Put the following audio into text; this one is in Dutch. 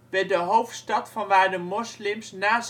werd de hoofdstad vanwaar de moslims na